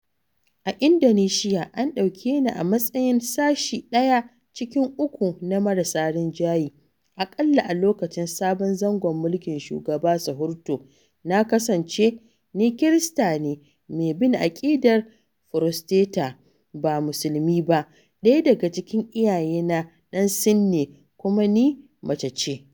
A Indonesiya, an ɗauke ni matsayin sashi ɗaya cikin uku na marasa rinjaye— aƙalla, a lokacin sabon zangon mulkin Shugaba Suharto na kasance: Ni Kirista ce mai bin aƙidar Furotesta, ba Musulma ba, ɗaya daga cikin iyaye na ɗan Sin ne, kuma Ni mace ce.